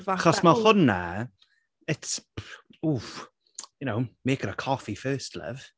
Achos ma hwnna, it's p- oof, you know? Make her a coffee first, love.